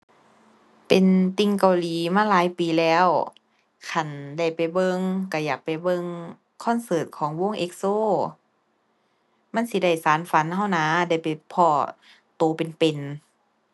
เป็นติ่งเกาหลีมาหลายปีแล้ว คันได้ไปเบิ่งก็อยากไปเบิ่งคอนเสิร์ตของวง EXO มันสิได้สานฝันก็นะ ได้ไปพ้อก็เป็นเป็น